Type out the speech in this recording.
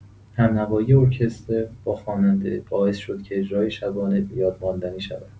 همنوایی ارکستر با خواننده باعث شد که اجرای شبانه بۀادماندنی شود.